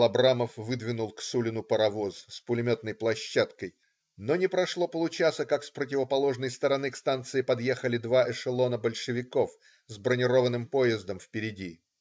Абрамов выдвинул к Сулину паровоз с пулеметной площадкой, но не прошло получаса, как с противоположной стороны к станции подъехали два эшелона большевиков, с бронированным поездом впереди.